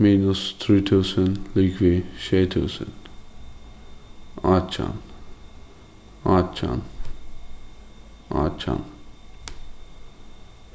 minus trý túsund ligvið sjey túsund átjan átjan átjan